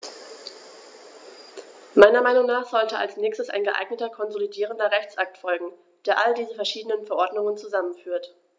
Meiner Meinung nach sollte als nächstes ein geeigneter konsolidierender Rechtsakt folgen, der all diese verschiedenen Verordnungen zusammenführt.